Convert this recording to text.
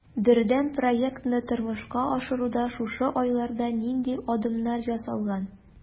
Бердәм проектны тормышка ашыруда шушы айларда нинди адымнар ясалган?